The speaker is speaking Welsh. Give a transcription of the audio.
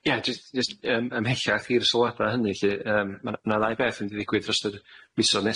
Ie jyst jyst yym ymhellach i'r sylwada' hynny 'lly yym ma' 'na ma' 'na ddau beth yn mynd i ddigwydd dros y misoedd nesa.